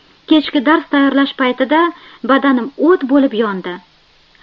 kechki dars tayyorlash paytida badanim o't bo'lib yondi